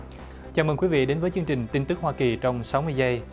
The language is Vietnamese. chào mừng quý vị đến với chương trình tin tức hoa kỳ trong sáu mươi giây